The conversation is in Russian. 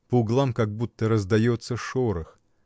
По углам как будто раздается шорох.